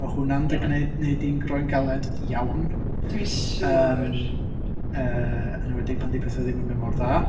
Ma' hwnna'n dy gwneud... wneud 'di'n groen galed iawn... Dwi'n siŵr. ...Yy yn enwedig pan 'di pethau ddim yn mynd mor dda.